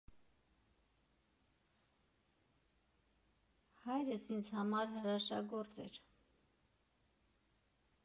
Հայրս ինձ համար հրաշագործ էր։